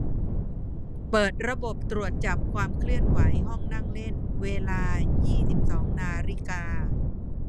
เปิดระบบตรวจจับความเคลื่อนไหวห้องนั่งเล่นเวลายี่สิบสองนาฬิกา